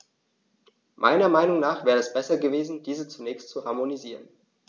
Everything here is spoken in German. Meiner Meinung nach wäre es besser gewesen, diese zunächst zu harmonisieren.